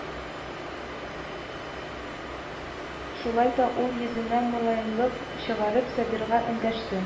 Шулай да ул, йөзенә мөлаемлык чыгарып, Сабирга эндәште: